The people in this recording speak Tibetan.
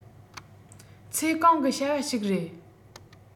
ཚེ གང གི བྱ བ ཞིག རེད